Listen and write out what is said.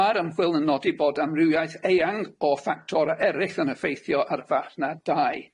Ma'r ymchwil yn nodi bod amrywiaeth eang o ffactorau eryll yn effeithio ar fath na dai.